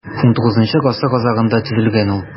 XIX гасыр азагында төзелгән ул.